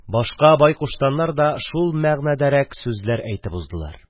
Башка бай куштаннар да шул мәгънәдәрәк сүзләр әйтеп уздылар.